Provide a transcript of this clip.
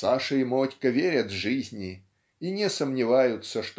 Саша и Мотька верят жизни и не сомневаются